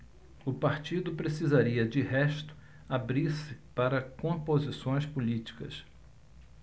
o partido precisaria de resto abrir-se para composições políticas